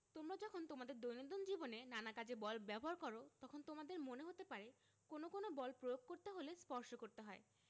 তোমরা যখন তোমাদের দৈনন্দিন জীবনে নানা কাজে বল ব্যবহার করো তখন তোমাদের মনে হতে পারে কোনো কোনো বল প্রয়োগ করতে হলে স্পর্শ করতে হয়